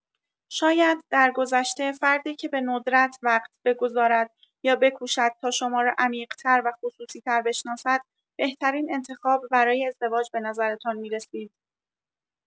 شاید درگذشته، فردی که به‌ندرت وقت بگذارد یا بکوشد تا شما را عمیق‌تر و خصوصی‌تر بشناسد بهترین انتخاب برای ازدواج به نظرتان می‌رسید.